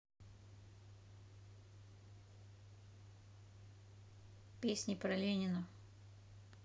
песни про ленина